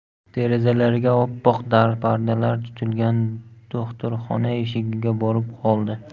derazalariga oppoq darpardalar tutilgan do'xtirxona eshigiga borib qoldi